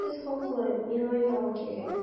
Сез хаклы, миңа ял кирәк.